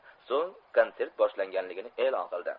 so'ng kontsert boshlanganligini e'lon qildi